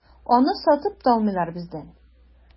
Аны сатып та алмыйлар бездән.